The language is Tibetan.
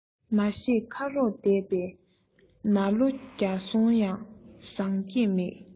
མ ཤེས ཁ རོག བསྡད པས ན ལོ བརྒྱ སོང ཡང བཟང བསྐྱེད མེད